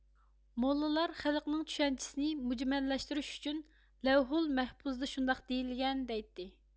موللىلار خەلقنىڭ چۈشەنچىسىنى مۈجمەللەشتۈرۈش ئۈچۈن لەۋھۇلمەھپۇزدا شۇنداق دېيىلگەن دەيتتى